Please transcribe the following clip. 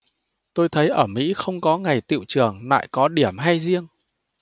tôi thấy ở mỹ không có ngày tựu trường lại có điểm hay riêng